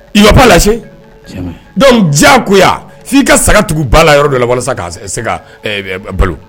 I bɛ'a lase dɔnkuc diɲɛ ko f'i ka saga tuguba la yɔrɔ dɔ la walasa k' se ka balo